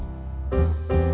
chứ